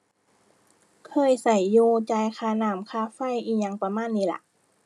เคยใช้อยู่ จ่ายค่าน้ำค่าไฟอิหยังประมาณนี้ล่ะ